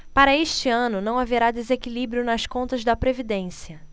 para este ano não haverá desequilíbrio nas contas da previdência